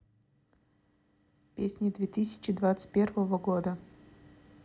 песни две тысячи двадцать первого года